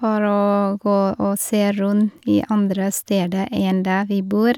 for å gå og se rund i andre steder enn der vi bor.